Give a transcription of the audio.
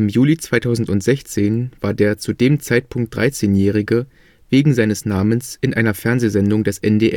Juli 2016 war der zu dem Zeitpunkt 13-Jährige wegen seines Namens in einer Fernsehsendung des NDR